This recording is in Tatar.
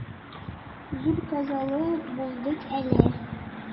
Зур казалы булдык әле.